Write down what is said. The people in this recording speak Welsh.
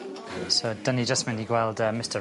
So 'dyn ni jest mynd i gweld yym mistar...